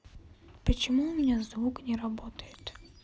почему у меня звук не работает